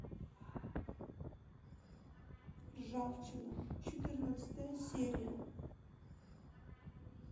ржавчина четырнадцатая серия